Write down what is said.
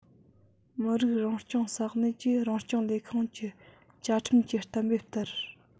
མི རིགས རང སྐྱོང ས གནས ཀྱི རང སྐྱོང ལས ཁུངས ཀྱིས བཅའ ཁྲིམས ཀྱིས གཏན འབེབས ལྟར